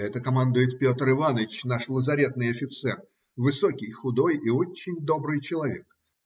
Это командует Петр Иваныч, наш лазаретный офицер, высокий, худой и очень добрый человек.